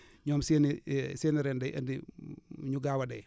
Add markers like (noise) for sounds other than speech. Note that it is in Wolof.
(breath) ñoom seen i (hesitation) seen i reen day indi (hesitation) ñu gaaw a dee